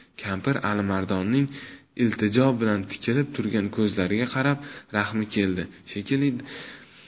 kampir alimardonning iltijo bilan tikilib turgan ko'zlariga qarab rahmi keldi shekilli